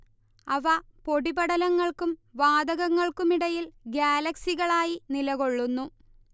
അവ പൊടിപടലങ്ങൾക്കും വാതകങ്ങൾക്കുമിടയിൽ ഗ്യാലക്സികളായി നിലകൊള്ളുന്നു